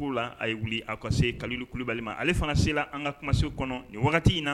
Aw ka se Kalilu Kulubali ma ale fana se la an ka kumaso kɔnɔ nin wagati in na.